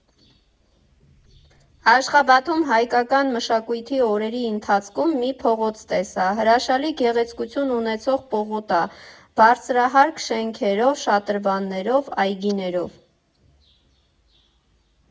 Աշխաբադում, հայկական մշակույթի օրերի ընթացքում, մի փողոց տեսա՝ հրաշալի գեղեցկություն ունեցող պողոտա՝ բարձրահարկ շենքերով, շատրվաններով, այգիներով։